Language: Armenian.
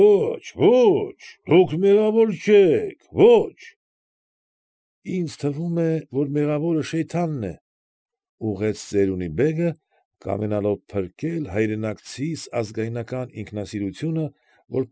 Ո՛չ, ո՜չ, դուք մեղավոր չեք, ո՛չ։ ֊ Ինձ թվում է, որ մեղավորը Շեյթանն է,֊ ուղղեց ծերունի բեգը, կամենալով փրկել հայրենակցիս ազգայնական ինքնասիրությունը, որ։